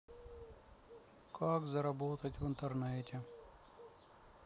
как заработать в интернете